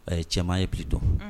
Cɛman ye bi dɔn